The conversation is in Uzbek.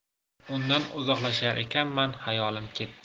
undan uzoqlashar ekanman xayolim ketdi